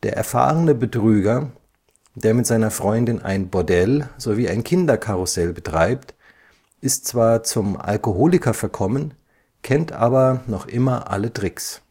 erfahrene Betrüger, der mit seiner Freundin ein Bordell sowie ein Kinderkarussell betreibt, ist zwar zum Alkoholiker verkommen, kennt aber noch immer alle Tricks